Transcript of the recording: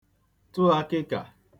tụ ākị̄ka